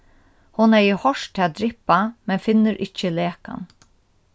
hon hevði hoyrt tað dryppa men finnur ikki lekan